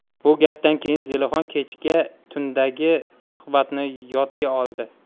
bu gapdan keyin zelixon kecha tundagi suhbatni yodga oldi